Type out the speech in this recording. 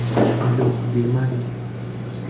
yo'q demang